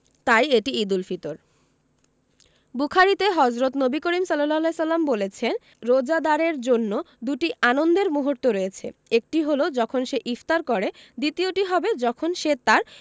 তাই এটি ঈদুল ফিতর বুখারিতে হজরত নবী করিম সা বলেছেন রোজাদারের জন্য দুটি আনন্দের মুহূর্ত রয়েছে একটি হলো যখন সে ইফতার করে দ্বিতীয়টি হবে যখন সে তাঁর